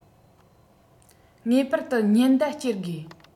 ངེས པར དུ ཉེན བརྡ སྐྱེལ དགོས